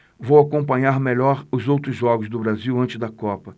vou acompanhar melhor os outros jogos do brasil antes da copa